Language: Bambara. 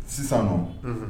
Sisanɔn unhun